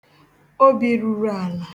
obì ruruàlà